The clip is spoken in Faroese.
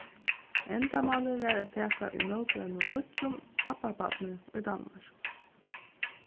endamálið var at taka ímóti einum nýggjum abbabarni í danmark